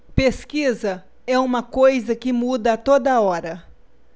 pesquisa é uma coisa que muda a toda hora